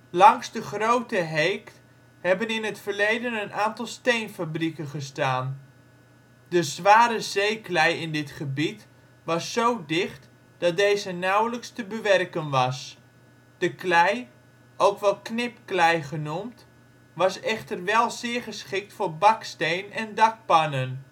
Langs de Groote Heekt hebben in het verleden een aantal steenfabrieken gestaan. De zware zeeklei in dit gebied was zo dicht dat deze nauwelijks te bewerken was. De klei, ook wel knipklei genoemd, was echter wel zeer geschikt voor baksteen en dakpannen